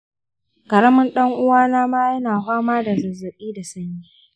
ƙaramin ɗan'uwana ma yana fama da zazzaɓi da sanyi.